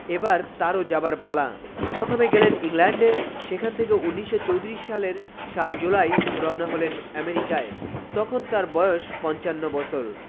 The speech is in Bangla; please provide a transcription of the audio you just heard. এবার তারও যাবার পালা প্রথমে গেলেন ইংল্যান্ডে সেখান থেকে ১৯৩৪ সালের ৭ জুলাই রওনা হলেন এমেরিকায় তখন তার বয়স ৫৫ বছর